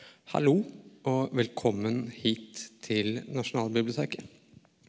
hallo og velkommen hit til Nasjonalbiblioteket.